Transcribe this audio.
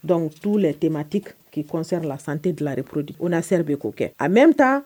Dɔnkuc t'u latɛmati k'i kɔnsɛ la sante dilanrepurdi o nasɛereri bɛ k'o kɛ a mɛn bɛ taa